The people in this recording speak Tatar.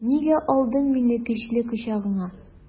Нигә алдың мине көчле кочагыңа?